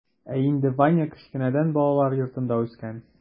Ә инде ваня кечкенәдән балалар йортында үскән.